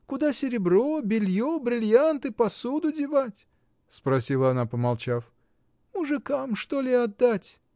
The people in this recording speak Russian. Куда серебро, белье, бриллианты, посуду девать? — спросила она, помолчав. — Мужикам, что ли, отдать?